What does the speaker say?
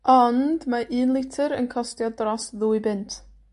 Ond mae un lityr yn costio dros ddwy bunt.